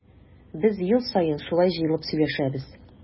Без ел саен шулай җыелып сөйләшәбез.